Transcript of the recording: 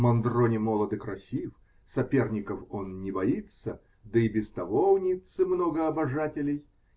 Мандрони молод и красив, соперников он не боится -- да и без того у Ниццы много обожателей